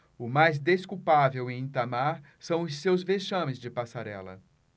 o mais desculpável em itamar são os seus vexames de passarela